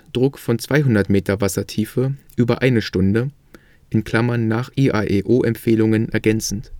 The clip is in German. Druck von 200 m Wassertiefe über eine Stunde (nach IAEO-Empfehlungen ergänzend